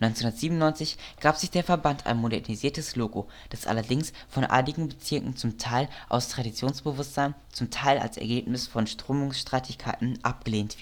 1997 gab sich der Verband ein modernisiertes Logo, das allerdings von einigen Bezirken zum Teil aus Traditionsbewusstsein, zum Teil als Ergebnis von Strömungsstreitigkeiten abgelehnt